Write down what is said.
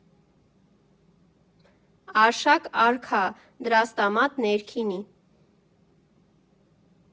Արշակ արքա, Դրաստամատ ներքինի։